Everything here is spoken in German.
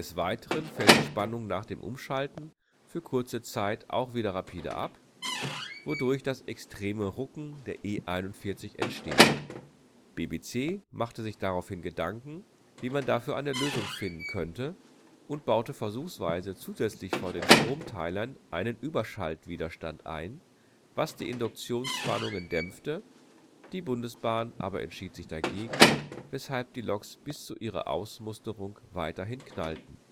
Weiteren fällt die Spannung nach dem Umschalten für kurze Zeit auch wieder rapide ab, wodurch das teils extreme Rucken der E 41 entsteht. BBC machte sich daraufhin Gedanken, wie man dafür eine Lösung finden könnte, und baute versuchsweise zusätzlich vor den Stromteilern einen Überschaltwiderstand ein, was die Induktionsspannungen dämpfte; die Bundesbahn aber entschied sich dagegen, weshalb die Loks bis zu ihrer Ausmusterung weiterhin knallten